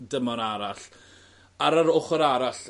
dymor arall. Ar yr ochor arall...